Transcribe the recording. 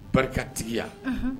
Barikatigiya